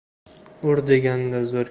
ur deganga zo'r